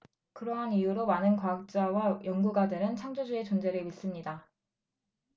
그러한 이유로 많은 과학자와 연구가들은 창조주의 존재를 믿습니다